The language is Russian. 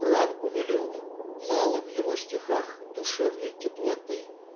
Прав Гумилев: мало в его стихах "душевной теплоты".